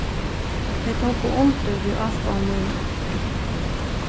tey tóku undir við áskoðan míni